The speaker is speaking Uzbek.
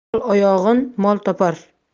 mol oyog'in mol topar